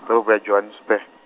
ḓorobo ya Johannesbu-.